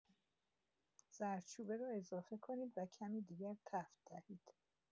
زردچوبه را اضافه کنید و کمی دیگر تفت دهید.